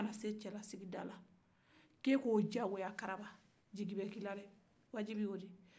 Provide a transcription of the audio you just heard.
i mana se cɛlasiki yɔrɔ k'e ko diyagoya karaba jigibɛ k'i la o jakoya ye